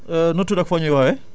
waaw kay maa ngi lay fay bu baax